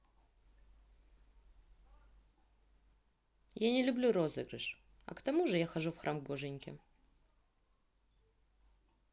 я не люблю розыгрыш а к тому же я хожу в храм к боженьке